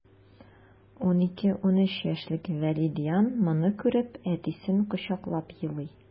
12-13 яшьлек вәлидиан моны күреп, әтисен кочаклап елый...